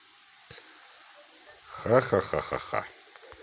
ха ха ха ха ха